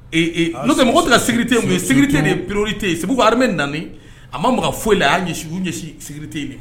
Ee n'o tɛ mɔgɔw tɛ ka sécurité ye sécurité de ye priorité ye c'est pourquoi armée nalen a ma maka fosi la a y'a U y'u ɲɛsin sécurité de ma.